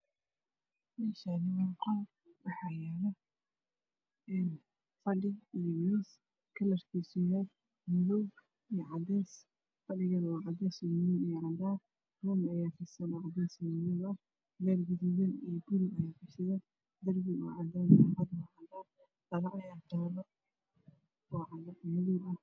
Meeshaan waa qol waxaa yaalo fadhi iyo miis kalarkiisu uu yahay Madow iyo cadeys. Fadhigana waa madow iyo cadeys iyo cadaan. Roog ayaa fidsan oo cadeys iyo madow ah. Leyr gaduudan iyo buluug ah ayaa kujiro. Darbiga waa cadaan daaqaduna waa cadaan. Dhalo ayaa taalo.